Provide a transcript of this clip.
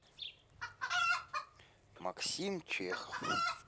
максим чехов